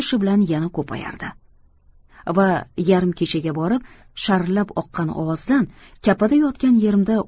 kirishi bilan yana ko'payardi va yarim kechaga borib sharillab oqqan ovozidan kapada yotgan yerimda